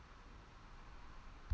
джой как подключить сбермаркет